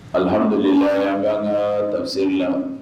Al hamiduli layi , an ban ka tafisiri la